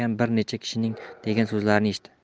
ekan bir necha kishining degan so'zlarini eshitdi